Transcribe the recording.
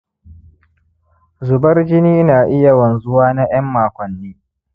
zubar jini na iya wanzuwa na ƴan makonni